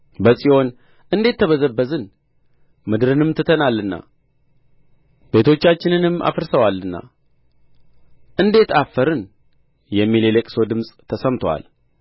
በጽዮን እንዴት ተበዘበዝን ምድርንም ትተናልና ቤቶቻችንንም አፍርሰዋልና እንዴት አፈርን የሚል የልቅሶ ድምፅ ተሰምቶአል